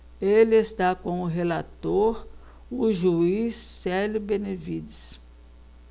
ele está com o relator o juiz célio benevides